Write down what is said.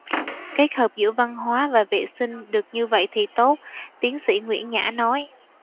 kết hợp giữa văn hóa và vệ sinh được như vậy thì tốt tiến sĩ nguyễn nhã nói